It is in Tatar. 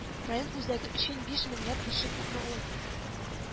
Район үзәге өчен биш меңләп кеше күпме ул